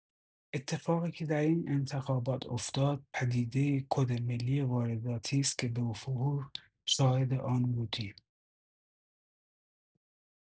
اتفاقی که در این انتخابات افتاد، پدیده کد ملی وارداتی است که به‌وفور شاهد آن بودیم.